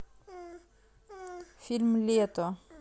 фильм лето